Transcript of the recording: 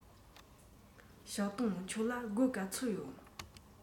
ཞའོ ཏུང ཁྱོད ལ སྒོར ག ཚོད ཡོད